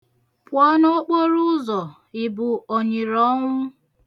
Pụọ n'okporuụzọ! ị bụ ọ̀nyị̀rọ̀ọnwụ?